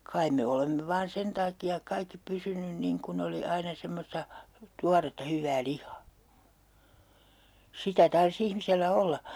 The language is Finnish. kai me olemme vain sen takia kaikki pysynyt niin kun oli aina semmoista tuoretta hyvää lihaa sitä tarvitsisi ihmisellä olla